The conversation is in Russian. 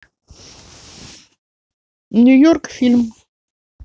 нью йорк фильм